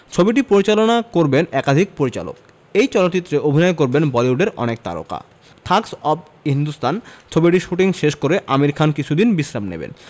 ছবিটি পরিচালনা করবেন একাধিক পরিচালক এই চলচ্চিত্রে অভিনয় করবেন বলিউডের অনেক তারকা থাগস অব হিন্দুস্তান ছবির শুটিং শেষ করে আমির খান কিছুদিন বিশ্রাম নেবেন